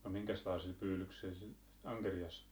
no minkäslaisilla pyydyksillä sillä ankerias